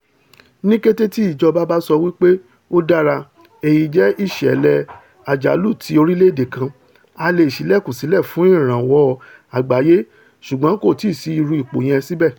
Ní kété tí ìjọba bá sọ pé, ''Ó dára, èyí jẹ́ ìṣẹ̀lù àjálù ti orílẹ̀-èdè kan,'' a leè sílẹ̀kùn sílẹ̀ fún ìrànwọ́ àgbáyé ṣùgbọ́n kò tìí sí irú ipò yẹn síbẹ̀.